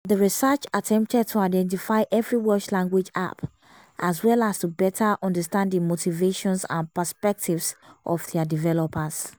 The research attempted to identify every Welsh language app, as well as to better understand the motivations and perspectives of their developers.